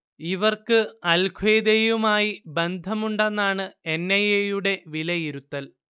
ഇവർക്ക് അൽ ഖ്വയ്ദയുമായി ബന്ധമുണ്ടെന്നാണ് എൻ. ഐ. എ യുടെ വിലയിരുത്തൽ